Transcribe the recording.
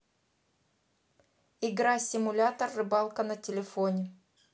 игра симулятор рыбалка на телефоне